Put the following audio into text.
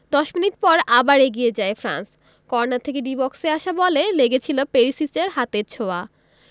১০ minute পর আবার এগিয়ে যায় ফ্রান্স কর্নার থেকে ডি বক্সে আসা বলে লেগেছিল পেরিসিচের হাতের ছোঁয়া